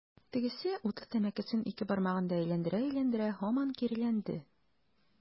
Тегесе, утлы тәмәкесен ике бармагында әйләндерә-әйләндерә, һаман киреләнде.